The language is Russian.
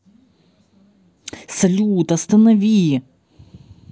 салют останови